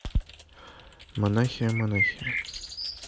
монахия монахия